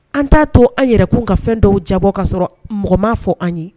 An t'a to an yɛrɛkun ka fɛn dɔw jabɔ ka sɔrɔ mɔgɔma fɔ an ye